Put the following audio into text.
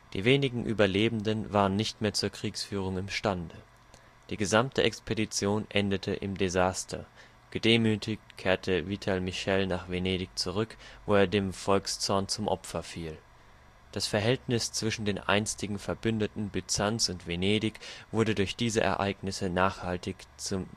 Die wenigen Überlebenden waren nicht mehr zur Kriegsführung im Stande. Die gesamte Expedition endete im Desaster, gedemütigt kehrte Vital Michele nach Venedig zurück, wo er dem Volkszorn zum Opfer fiel. Das Verhältnis zwischen den einstigen Verbündeten Byzanz und Venedig wurde durch diese Ereignisse nachhaltig zum